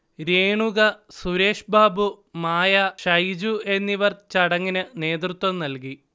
രേണുക, സുരേഷ്ബാബു, മായ, ഷൈജു എന്നിവർ ചടങ്ങിന് നേതൃത്വം നൽകി